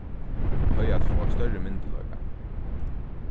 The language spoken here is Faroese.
eiga at fáa størri myndugleika